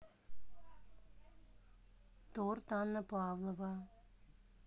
торт анна павлова